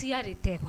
Siya de tɛ